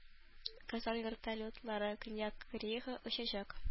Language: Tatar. Казан вертолетлары Көньяк Кореяга очачак